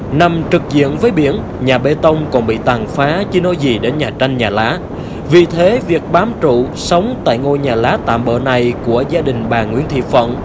nằm trực diện với biển nhà bê tông cũng bị tàn phá chứ nói gì đến nhà tranh nhà lá vì thế việc bám trụ sống tại ngôi nhà lá tạm bợ này của gia đình bà nguyễn thị phận